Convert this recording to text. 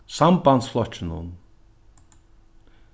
sambandsflokkinum